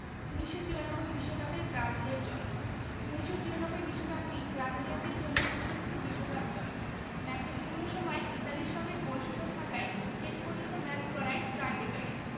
১৯৯৪ বিশ্বকাপের ব্রাজিলের জয় ১৯৯৪ বিশ্বকাপটি ব্রাজিলিয়ানদের জন্য ছিল চতুর্থ বিশ্বকাপ জয় ম্যাচের পুরো সময় ইতালির সঙ্গে গোলশূন্য থাকায় শেষ পর্যন্ত ম্যাচ গড়ায় টাইব্রেকারে